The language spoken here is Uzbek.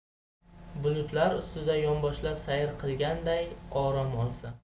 bulutlar ustida yonboshlab sayr qilganday orom olsa